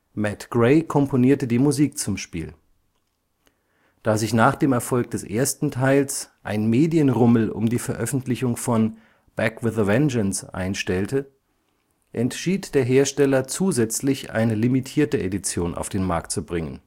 Matt Gray komponierte die Musik zum Spiel. Da sich nach dem Erfolg des ersten Teils ein Medienrummel um die Veröffentlichung von Back With A Vengeance einstellte, entschied der Hersteller zusätzlich eine limitierte Edition auf den Markt zu bringen